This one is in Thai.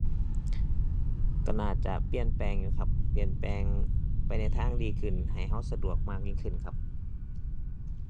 ก็น่าจะเปลี่ยนแปลงอยู่ครับ เปลี่ยนแปลงไปในทางดีขึ้น ให้เราสะดวกมากยิ่งขึ้นครับ